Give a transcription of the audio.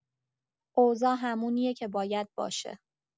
اوضاع همونیه که باید باشه.